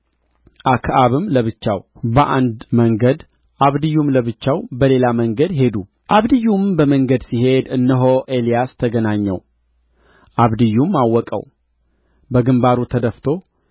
አክዓብም ለብቻው በአንድ መንገድ አብድዩም ለብቻው በሌላ መንገድ ሄዱ አብድዩም በመንገድ ሲሄድ እነሆ ኤልያስ ተገናኘው አብድዩም አወቀው በግምባሩም ተደፍቶ